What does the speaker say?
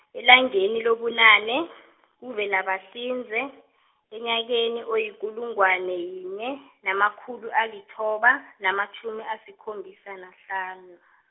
elangeni lobunane , kuVelabahlinze, enyakeni oyikulungwane yinye, namakhulu alithoba, namatjhumi asikhombisa nahlanu .